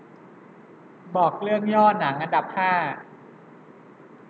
บอกเรื่องย่อหนังอันดับห้า